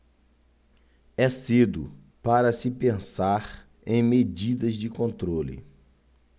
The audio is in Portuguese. é cedo para se pensar em medidas de controle